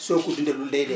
soo ko dundalul day dee